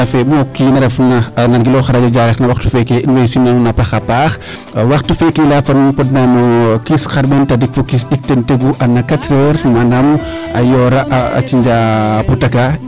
a fiya mu kiina ref na a nan gilooxa radio Diarekh no waxtu feeke in way simnaa nuun a paaxa paax waxtu feeke i leya fo nuun kiis xarɓeen tadik fo kiis ɗik ten tegwu na quatre heure manaam a yoora a cinja putaka